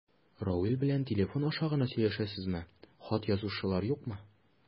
Равил белән телефон аша гына сөйләшәсезме, хат язышулар юкмы?